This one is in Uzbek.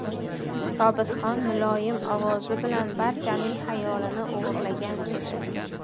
sobitxon muloyim ovozi bilan barchaning xayolini o'g'irlagan edi